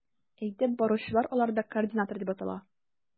Әйдәп баручылар аларда координатор дип атала.